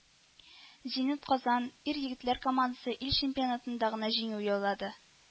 Зенит-Казан ир-егетләр командасы ил чемпионатында гына җиңү яулады